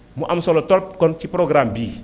mu am solo trop kon ci programme bii